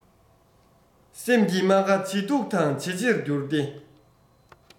སེམས ཀྱི རྨ ཁ ཇེ ཐུ དང ཇེ ཆེར གྱུར ཏེ